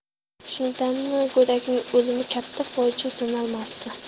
shundanmi go'dakning o'limi katta fojia sanalmasdi